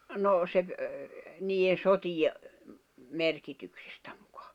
no se - niiden sotien merkityksestä muka